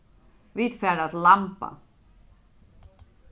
vit fara til lamba